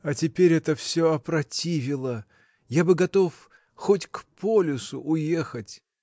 А теперь это всё опротивело: я бы готов хоть к полюсу уехать.